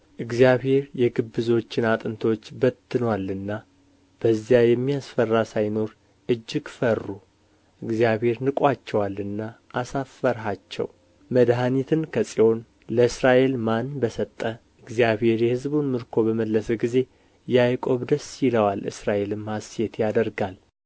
እግዚአብሔር የግብዞችን አጥንቶች በትኖአልና በዚያ የሚያስፈራ ሳይኖር እጅግ ፈሩ እግዚአብሔር ንቆአቸዋልና አሳፈርሃቸው መድኃኒትን ከጽዮን ለእስራኤል ማን በሰጠ እግዚአብሔር የሕዝቡን ምርኮ በመለሰ ጊዜ ያዕቆብ ደስ ይለዋል እስራኤልም ሐሤት ያደርጋል